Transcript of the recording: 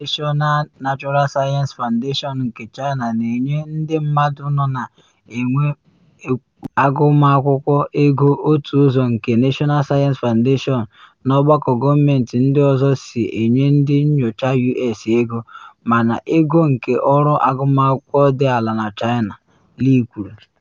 National Natural Science Foundation nke China na enye ndị mmadụ nọ n’ewumewu agụmakwụkwọ ego otu ụzọ nke National Science Foundation na ọgbakọ gọọmentị ndị ọzọ si enye ndị nyocha U.S. ego, mana ogo nke ọrụ agụmakwụkwọ dị ala na China, Lee kwuru.